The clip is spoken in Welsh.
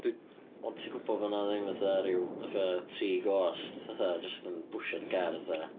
Dw... ond ti'n gwbod bod na ddim fatha rhyw fatha tri ghost fatha jyst yn pwsio'r car fatha,...